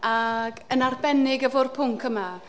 Ac yn arbennig efo'r pwnc yma.